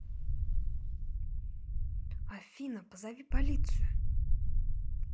афина позови полицию